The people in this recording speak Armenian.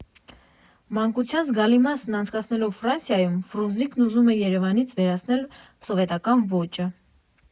Մանկության զգալի մասն անցկացնելով Ֆրանսիայում՝ Ֆրունզիկն ուզում է Երևանից վերացնել սովետական ոճը։